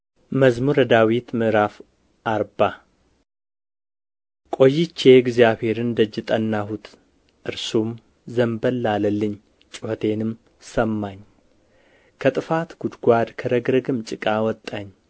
መዝሙር ምዕራፍ አርባ ቆይቼ እግዚአብሔር ደጅ ጠናሁት እርሱም ዘንበል አለልኝ ጩኽቴንም ሰማኝ ከጥፋት ጕድጓድ ከረግረግም ጭቃ አወጣኝ